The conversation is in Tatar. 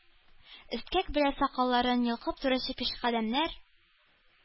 Эскәк белән сакалларын йолкып торучы пишкадәмнәр,